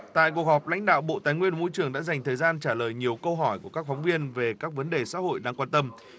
tại cuộc họp lãnh đạo bộ tài nguyên và môi trường đã dành thời gian trả lời nhiều câu hỏi của các phóng viên về các vấn đề xã hội đang quan tâm